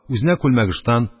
Үзенә күлмәк-ыштан,